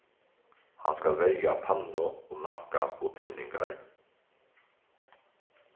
hann skal verja pannu og nakka og tinningar